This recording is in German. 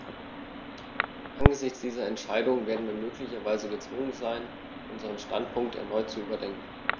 Angesichts dieser Entscheidung werden wir möglicherweise gezwungen sein, unseren Standpunkt erneut zu überdenken.